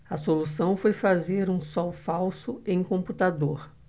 a solução foi fazer um sol falso em computador